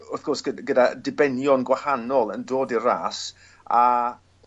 wrth gyd- gyda dibenion gwahanol yn dod i'r ras a